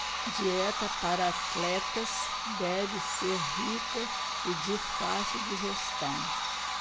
dieta para atletas deve ser rica e de fácil digestão